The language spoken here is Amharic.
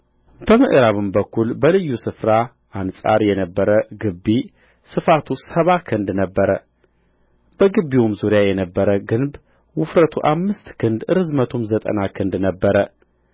በምዕራብም በኩል በልዩ ስፍራ አንጻር የነበረ ግቢ ስፋቱ ሰባ ክንድ ነበረ በግቢውም ዙሪያ የነበረ ግንብ ውፍረቱ አምስት ክንድ ርዝመቱም ዘጠና ክንድ ነበረ